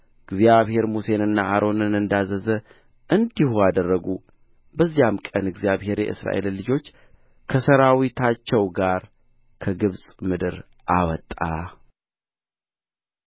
እግዚአብሔር ሙሴንና አሮንን እንዳዘዘ እንዲሁ አደረጉ በዚያም ቀን እግዚአብሔር የእስራኤልን ልጆች ከሠራዊታቸው ጋር ከግብፅ ምድር አወጣ